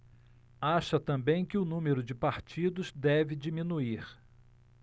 acha também que o número de partidos deve diminuir